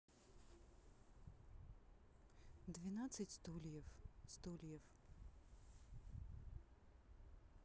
двенадцать стульев стульев